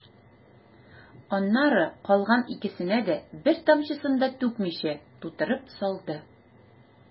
Аннары калган икесенә дә, бер тамчысын да түкмичә, тутырып салды.